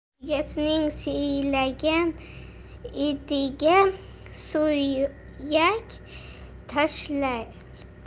egasini siylagan itiga suyak tashlar